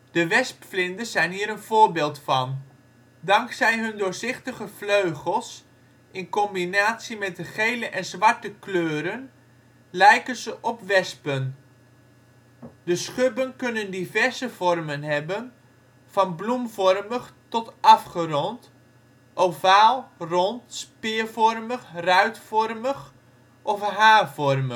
De wespvlinders zijn hier een voorbeeld van; dankzij hun doorzichtige vleugels in combinatie met de gele en zwarte kleuren lijken ze op wespen. De schubben kunnen diverse vormen hebben, van bloemvormig tot afgerond, ovaal, rond, speervormig, ruitvormig of haarvormig. De